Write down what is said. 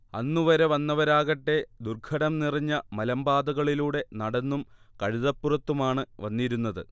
അന്നുവരെ വന്നവരാകട്ടേ ദുർഘടം നിറഞ്ഞ മലമ്പാതകളിലൂടെ നടന്നും കഴുതപ്പുറത്തുമാണ് വന്നിരുന്നത്